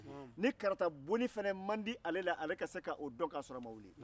ni karata bonni man di ale la ale k'o dɔn kasɔrɔ a ma wuli